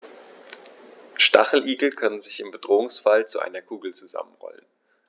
Stacheligel können sich im Bedrohungsfall zu einer Kugel zusammenrollen.